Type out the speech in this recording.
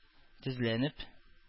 Тезләнеп